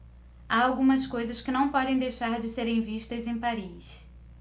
há algumas coisas que não podem deixar de serem vistas em paris